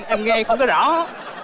em nghe không có rõ